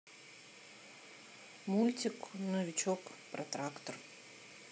мультик новичок про трактор